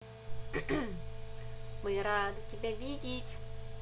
мы рады тебя видеть